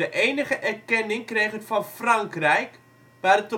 enige erkenning kreeg het van Frankrijk, waar